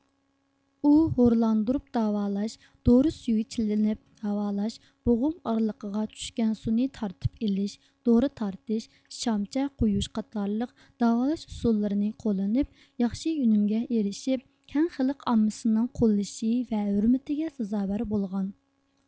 ئۇ ھورلاندۇرۇپ داۋالاش دورا سۈيىگە چىلىنىپ داۋالاش بوغۇم ئارىلىقىغا چۈشكەن سۇنى تارتىپ ئېلىش دورا تارتىش شامچە قويۇش قاتارلىق داۋالاش ئۇسۇللىرىنى قوللىنىپ ياخشى ئۈنۈمگە ئېرىشىپ كەڭ خەلق ئاممىسىنىڭ قوللىشى ۋە ھۆرمىتىگە سازاۋەر بولغان